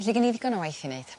Felly gen i ddigon o waith i neud.